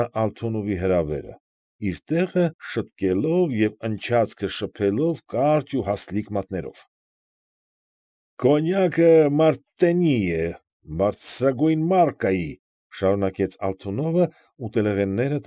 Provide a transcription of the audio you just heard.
Նա Ալթունովի հրավերը, իր տեղը շտկելով և ընչացքը շփելով կարճ ու հաստլիկ մատներով։ ֊ Կոնյակը Մարտենի է, բարձրագույն մարկայի,֊ շարունակեց Ալթունովը, ուտելեղենները։